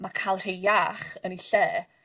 ma' ca'l rhei iach yn 'u lle